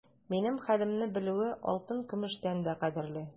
Минем хәлемне белүе алтын-көмештән дә кадерле.